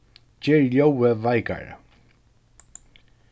ger ljóðið veikari